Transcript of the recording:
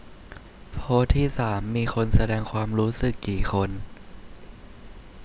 โพสต์ที่สามมีคนแสดงความรู้สึกกี่คน